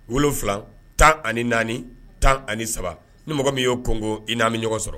Wolon wolonwula tan ani naani tan ani saba ni mɔgɔ min y'o koko i n'a bɛ ɲɔgɔn sɔrɔ